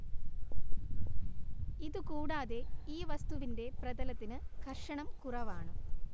ഇതു കൂടാതെ ഈ വസ്തുവിന്റെ പ്രതലത്തിന് ഘര്ഷണം കുറവാണ്